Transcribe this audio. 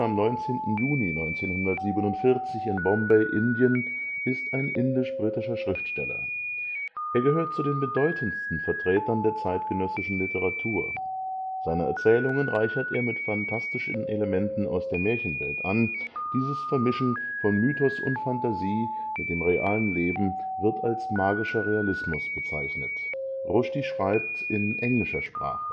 19. Juni 1947 in Bombay, Indien) ist ein indisch-britischer Schriftsteller. Er gehört zu den bedeutendsten Vertretern der zeitgenössischen Literatur. Seine Erzählungen reichert er mit fantastischen Elementen aus der Märchenwelt an. Dieses Vermischen von Mythos und Phantasie mit dem realen Leben wird als magischer Realismus bezeichnet. Rushdie schreibt in englischer Sprache